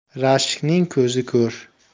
rashkning ko'zi ko'r